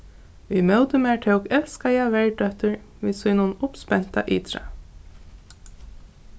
ímóti mær tók elskaða verdóttir við sínum uppspenta ytra